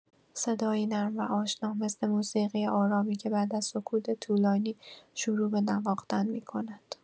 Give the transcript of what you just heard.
صدایی نرم و آشنا، مثل موسیقی آرامی که بعد از سکوتی طولانی شروع به نواختن می‌کند.